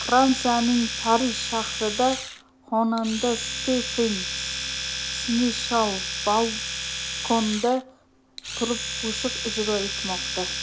fransiyaning parij shahrida xonanda stefan seneshal balkonda turib qo'shiq ijro etmoqda